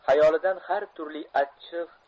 hayolidan har turli achchiq